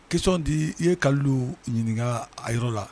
Kisɔn di i ye kalolu ɲininka a yɔrɔ la